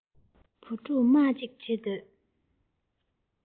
བུ ཕྲུག དམག ཅིག བྱེད འདོད